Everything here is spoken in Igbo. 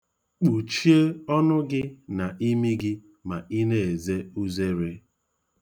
Kpuchie ọnụ gị na imi gị ma ị na-eze uzere.